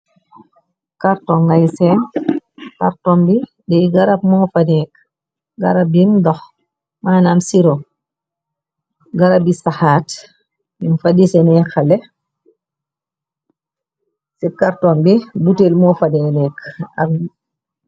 Karton ngay se parton bi de garab mo faneek garab bim dox manam ciro garab bi saxaat yum fa di sene xale ci karton bi buuteel mo faneenekk ak.